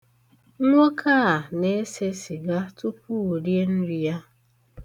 Nwoke a na-ese sịga tupu o rie nri ya.